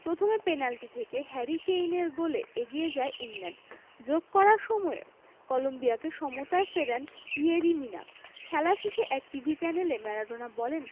প্রথমে পেনাল্টি থেকে হ্যারি কেইনের গোলে এগিয়ে যায় ইংল্যান্ড যোগ করা সময়ে কলম্বিয়াকে সমতায় ফেরান ইয়েরি মিনা খেলা শেষে এক টিভি চ্যানেলে ম্যারাডোনা বলেন